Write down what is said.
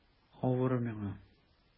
Авыр миңа...